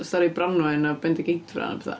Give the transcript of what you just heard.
Stori Branwen a Bendigeidfran a petha?